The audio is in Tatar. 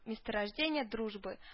Месторождение дружбы